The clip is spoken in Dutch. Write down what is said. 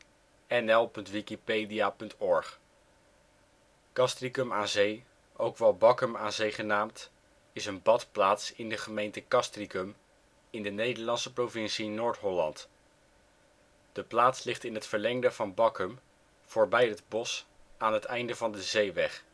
52° 33 ' NB 4° 36 ' OL Castricum aan Zee, ook wel Bakkum aan Zee genaamd, is een badplaats in de gemeente Castricum, in de Nederlandse provincie Noord-Holland. De plaats ligt in het verlengde van Bakkum, voorbij het bos aan het einde van de Zeeweg